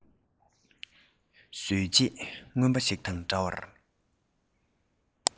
བཟོས རྗེས རྔོན པ ཞིག དང འདྲ བར